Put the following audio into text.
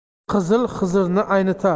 qizil xizirni aynitar